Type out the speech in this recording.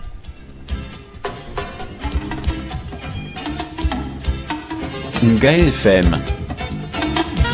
Ngaye FM